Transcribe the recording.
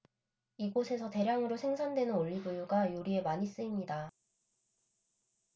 이곳에서 대량으로 생산되는 올리브유가 요리에 많이 쓰입니다